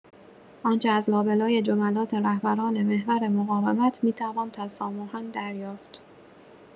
آنچه از لابلای جملات رهبران «محور مقاومت» میتوان تسامحا دریافت